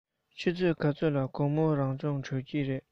ཆུ ཚོད ག ཚོད ལ དགོང མོའི རང སྦྱོང གྲོལ གྱི རེད